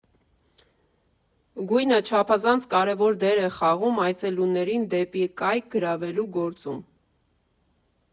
Գույնը չափազանց կարևոր դեր է խաղում այցելուներին դեպի կայք գրավելու գործում։